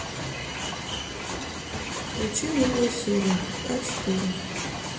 включи новые серии а четыре